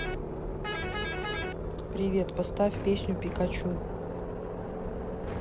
привет поставь песню пикачу